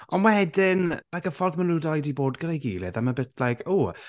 Ond wedyn like y ffordd maen nhw dau 'di bod gyda'i gilydd I'm a bit like ooh.